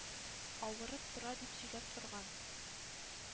«авырып тора», — дип сөйләп торган.